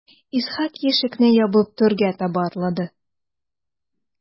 Исхак ишекне ябып түргә таба атлады.